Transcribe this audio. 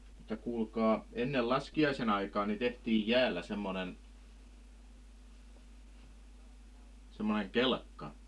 kuulkaa ennen laskiaisen aikaan niin tehtiin jäällä semmoinen semmoinen kelkka